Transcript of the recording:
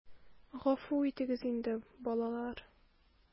Гафу итегез инде, балалар...